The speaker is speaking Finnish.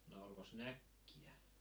no olikos näkkiä